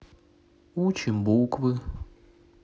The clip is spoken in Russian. учим буквы